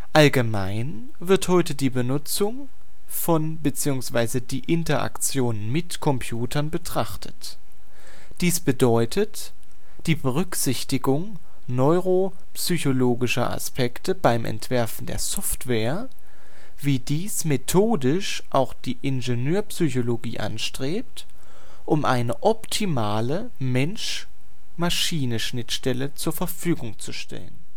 Allgemein wird heute die Benutzung von bzw. die Interaktion mit Computern betrachtet. Dies bedeutet die Berücksichtigung (neuro) psychologischer Aspekte beim Entwerfen der Software – wie dies methodisch auch die Ingenieurpsychologie anstrebt –, um eine optimale Mensch-Maschine-Schnittstelle zur Verfügung zu stellen